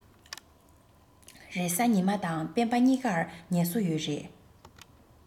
རེས གཟའ ཉི མ དང སྤེན པ གཉིས ཀར ཉལ གསོ ཡོད རེད